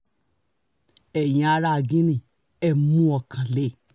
Ẹ̀yin aráa Guinea, ẹ mú ọkàn le!